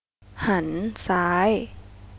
หันซ้าย